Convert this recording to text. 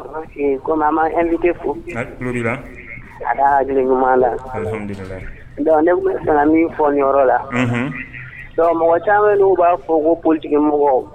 Tɔntɔn Se ,ko mais an b'an ka invité fo, a tulo b'i la, a ka hakili ɲuman la, alihamidulilayi, donc ne min fɛ ka fɔ nin yɔrɔ la ,unhun, donc mɔgɔ caaman n'u b'a fɔ ko politikimɔgɔ